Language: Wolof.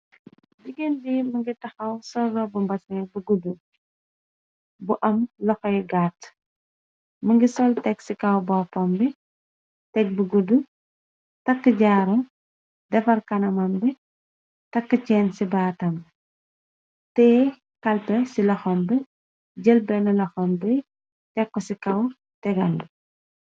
Jigéen bi mëngi tahaw sol robb mbasnge bu guddu bu am loho yu gaat. mëngi sol teg ci kaw boppam bi, teg bu guddu. takk jaarom, defar kanaman bi, takk chenn ci baatam bi, teh kalpeh ci lohom bi, jël benn lohom bi tekk ko ci kaw tegam bi.